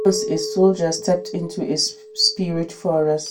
Once, a soldier stepped into a spirit forest.